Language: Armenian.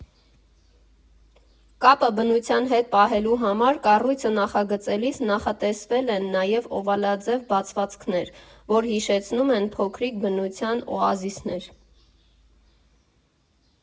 Կապը բնության հետ պահելու համար կառույցը նախագծելիս նախատեսվել են նաև օվալաձև բացվածքներ, որ հիշեցնում են փոքրիկ բնության օազիսներ։